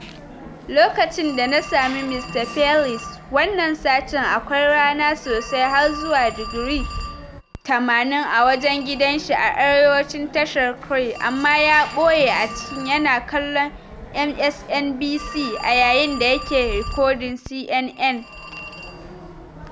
Lokacin da na sami Mr. Fleiss wannan satin, akwai rana sosai har zuwa digiri 80 a wajen gidan shi a arewacin tashar Kauai, amma ya boye a ciki yana kallon MSNBC a yayin da yake rikodin CNN.